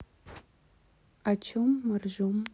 о чем моржом